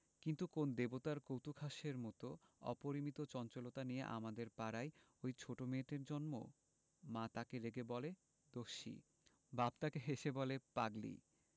কিন্তু কোন দেবতার কৌতূকহাস্যের মত অপরিমিত চঞ্চলতা নিয়ে আমাদের পাড়ায় ঐ ছোট মেয়েটির জন্ম মা তাকে রেগে বলে দস্যি বাপ তাকে হেসে বলে পাগলি